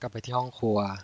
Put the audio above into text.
กลับไปที่ห้องครัว